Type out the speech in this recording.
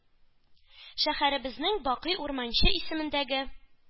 Шәһәребезнең Бакый Урманче исемендәге